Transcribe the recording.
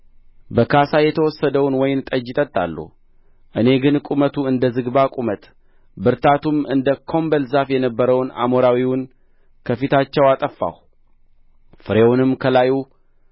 በካሣ የተወሰደውን ወይን ጠጅ ይጠጣሉ እኔ ግን ቁመቱ እንደ ዝግባ ቁመት ብርታቱም እንደ ኮምበል ዛፍ የነበረውን አሞራዊውን ከፊታቸው አጠፋሁ ፍሬውንም ከላዩ